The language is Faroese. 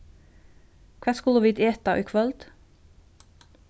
hvat skulu vit eta í kvøld